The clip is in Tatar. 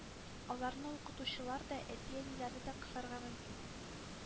Аларны укытучылар да, әти-әниләре дә кысарга мөмкин,